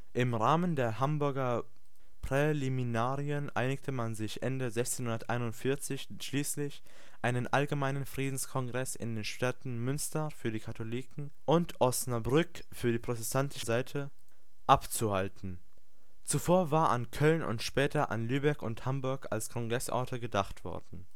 Im Rahmen der Hamburger Präliminarien einigte man sich Ende 1641 schließlich, einen allgemeinen Friedenskongress in den Städten Münster (für die Katholiken) und Osnabrück (für die protestantische Seite) abzuhalten. Zuvor war an Köln und später an Lübeck und Hamburg als Kongressorte gedacht worden